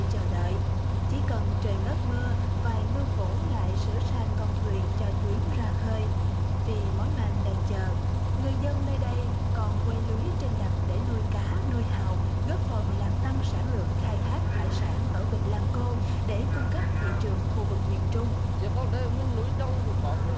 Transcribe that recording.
chờ đợi chỉ cần trời ngớt mưa vài ngư phủ lại sửa sang con thuyền cho chuyến ra khơi vì mùa màng đang chờ người dân nơi đây còn quây lưới trên đầm để nuôi cá nuôi hào góp phần làm tăng sản lượng khai thác hải sản ở vịnh lăng cô để cung cấp thị trường khu vực miền trung du miền núi